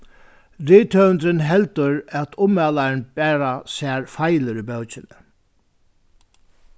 rithøvundurin heldur at ummælarin bara sær feilir í bókini